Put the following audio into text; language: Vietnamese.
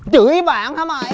chửi bạn hả mày